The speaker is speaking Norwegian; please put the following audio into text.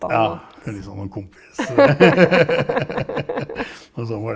ja det er litt sånn kompis så sånn var det.